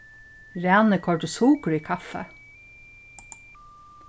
rani koyrdi sukur í kaffið